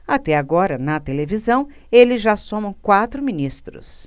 até agora na televisão eles já somam quatro ministros